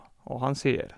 Og han sier: